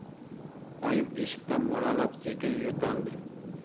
oyim eshikdan mo'ralab sekin yo'taldi